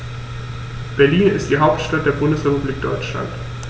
Berlin ist die Hauptstadt der Bundesrepublik Deutschland.